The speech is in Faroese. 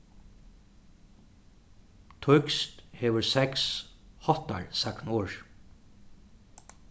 týskt hevur seks háttarsagnorð